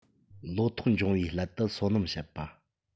ལོ ཐོག འབྱུང བའི སླད དུ སོ ནམ བྱེད པ